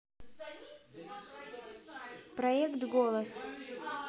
проект голос